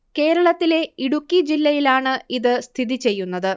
കേരളത്തിലെ ഇടുക്കി ജില്ലയിലാണ് ഇത് സ്ഥിതി ചെയ്യുന്നത്